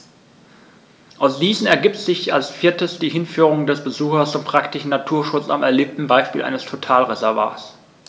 Aus diesen ergibt sich als viertes die Hinführung des Besuchers zum praktischen Naturschutz am erlebten Beispiel eines Totalreservats.